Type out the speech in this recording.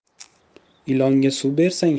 ilonga suv bersang